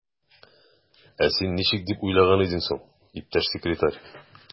Ә син ничек дип уйлаган идең соң, иптәш секретарь?